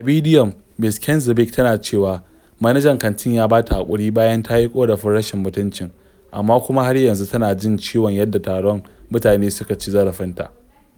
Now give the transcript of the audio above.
A bidiyon, Ms Knezeɓic tana cewa manajan kantin ya ba ta haƙuri bayan ta yi ƙorafin rashin mutuncin, amma kuma har yanzu tana jin ciwon yadda taron mutane suka ci zarafinta.